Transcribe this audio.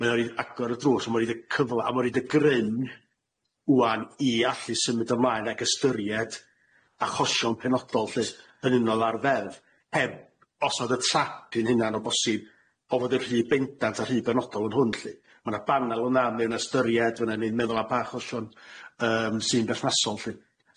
Mae o i agor y drws a ma di roi y cyfla- a ma i roi y gryn ŵan i allu symud ymlaen ag ystyried achosion penodol llys yn unol ar fedd heb ood y trap i'n hunan o bosib o fod yn rhy bendant a rhy benodol yn hwn lly ma' na banal yna mae o'n ystyried fynnyn ni'n meddwl am ba chosion yym sy'n berthnasol lly.